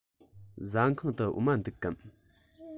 ཟ ཁང དུ འོ མ འདུག གམ